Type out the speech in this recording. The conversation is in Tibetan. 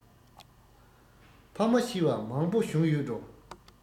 ཕ མ ཤི བ མང པོ བྱུང ཡོད འགྲོ